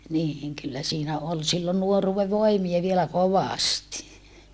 niin kyllä siinä oli silloin nuoruuden voimia vielä kovasti